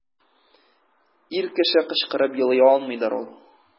Ир кеше кычкырып елый алмыйдыр ул.